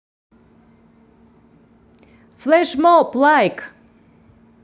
флешмоб лайк